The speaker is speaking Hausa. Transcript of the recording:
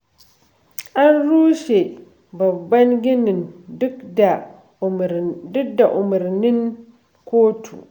An rushe babban ginin duk da umarnin kotu